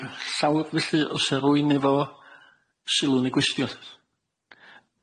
llawr felly ose rywun efo sylw neu gwestiwn.